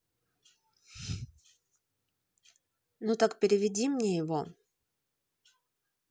ну так переведи мне его